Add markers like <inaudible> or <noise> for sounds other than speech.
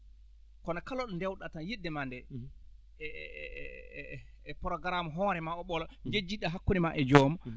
kono kala ɗo ndewɗa tan yidde maa nde e e <hesitation> e programme hoore maa o ɓolo njejjitɗaa hakkunde maa e joom maa